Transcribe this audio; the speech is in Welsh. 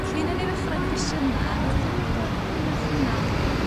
Cyn i ni ddechrau cwestiyna' ydych chi'n meindio cyflwyno'ch hunan